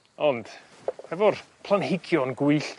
Ond efo'r planhigion gwyllt